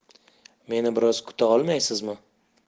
meni biroz kutaolmaysizmi